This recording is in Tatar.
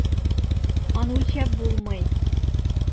Аны үлчәп булмый.